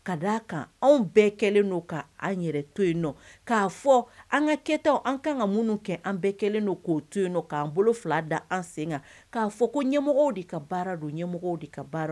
Ka d'a kan anw bɛɛ kɛlen don ka an yɛrɛ to yen nɔ k'a fɔ an ka kɛ an ka ka minnu kɛ an bɛɛ kɛlen don k'o to yen nɔ k'an bolo fila da an sen kan k'a fɔ ko ɲɛmɔgɔ de ka baara don ɲɛmɔgɔ de ka baara